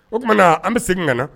O t tuma na an bɛ segin ka na